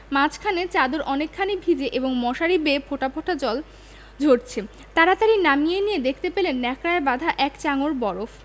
মাঝখানে চাদর অনেকখানি ভিজে এবং মশারি বেয়ে ফোঁটা ফোঁটা জল ঝরছে তাড়াতাড়ি নামিয়ে নিয়ে দেখতে পেলেন ন্যাকড়ায় বাঁধা এক চাঙড় বরফ